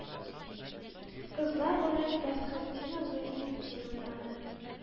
Кызлар ролен Фәсхетдинов Гыйзетдин уйнады